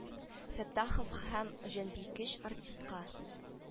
Фәттахов һәм җанбикәч артистка